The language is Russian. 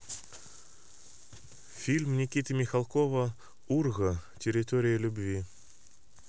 фильм никиты михалкова урга территория любви